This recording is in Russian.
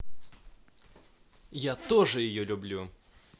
я тоже ее люблю